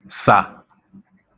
sà